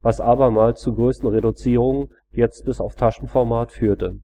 was abermals zu Größenreduzierungen, jetzt bis auf Taschenformat, führte